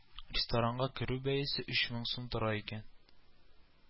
Ресторанга керү бәясе өч мең сум тора икән